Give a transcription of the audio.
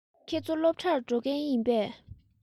ཁྱེད ཚོ སློབ གྲྭར འགྲོ མཁན ཡིན པས